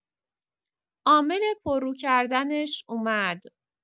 عامل پررو کردنش اومد.